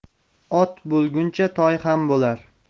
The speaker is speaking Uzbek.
ot bo'lguncha toy ham bo'lar